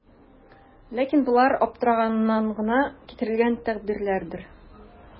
Ләкин болар аптыраганнан гына китерелгән тәгъбирләрдер.